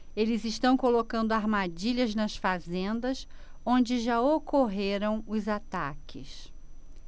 eles estão colocando armadilhas nas fazendas onde já ocorreram os ataques